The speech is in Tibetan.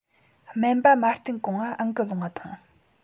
སྨན པ མ བསྟན གོང ང ཨང ཀི ལོངས ང ཐོངས